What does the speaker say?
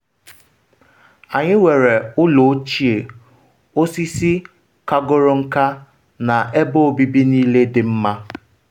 “Anyị nwere ụlọ ochie, osisi kagoro nka na ebe obibi niile dị mma.